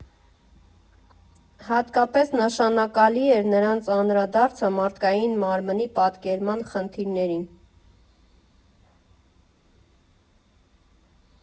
Հատկապես նշանակալի էր նրանց անդրադարձը մարդկային մարմնի պատկերման խնդիրներին։